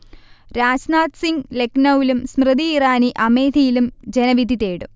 രാജ്നാഥ് സിംഗ് ലക്നൌവിലും സ്മൃതി ഇറാനി അമേത്തിയിലും ജനവിധി തേടും